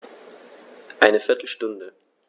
Eine viertel Stunde